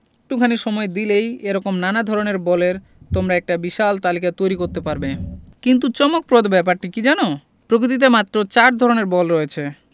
একটুখানি সময় দিলেই এ রকম নানা ধরনের বলের তোমরা একটা বিশাল তালিকা তৈরি করতে পারবে কিন্তু চমকপ্রদ ব্যাপারটি কী জানো প্রকৃতিতে মাত্র চার ধরনের বল রয়েছে